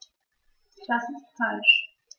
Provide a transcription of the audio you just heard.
Das ist falsch.